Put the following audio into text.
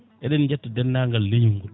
eɗen jetta debdagal leeñol ngol